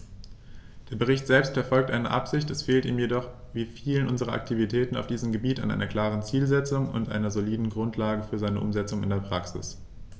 Der Bericht selbst verfolgt eine gute Absicht, es fehlt ihm jedoch wie vielen unserer Aktivitäten auf diesem Gebiet an einer klaren Zielsetzung und einer soliden Grundlage für seine Umsetzung in die Praxis.